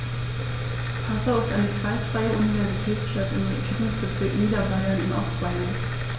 Passau ist eine kreisfreie Universitätsstadt im Regierungsbezirk Niederbayern in Ostbayern.